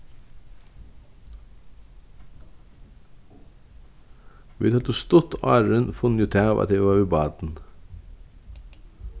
vit høvdu stutt áðrenn funnið útav at eg var við barn